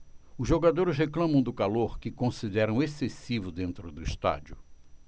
os jogadores reclamam do calor que consideram excessivo dentro do estádio